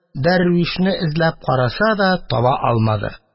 Дәрвишне эзләп караса да таба алмады.